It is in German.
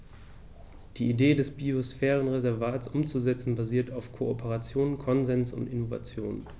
Die Idee des Biosphärenreservates umzusetzen, basiert auf Kooperation, Konsens und Innovation.